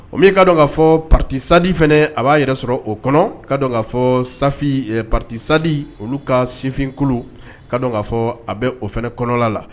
O ka dɔn kaa fɔ patisadi fana a b'a yɛrɛ sɔrɔ o kɔnɔ ka dɔn kaa fɔ satisadi olu ka senfinkolo ka kaa fɔ a bɛ o fana kɔnɔ la la